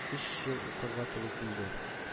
Өч ел укырга туры килде